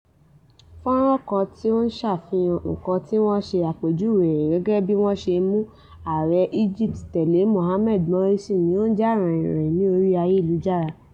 Fọ́nràn kan tí ó ń ṣàfihàn nǹkan tí wọ́n ṣe àpèjúwe rẹ̀ gẹ́gẹ́ bíi wọ́n ṣe mú ààrẹ Egypt tẹ́lẹ̀ Mohamed Morsi ni ó ń jà ròhìnròhìn ní orí ayélujára.